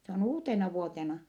se on uutenavuotena